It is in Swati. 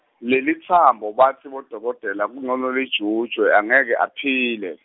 lelitsambo batsi bodokotela kuncono lijutjwe angeke aphile.